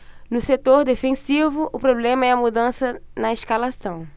no setor defensivo o problema é a mudança na escalação